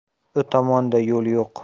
u tomonda yo'l yo'q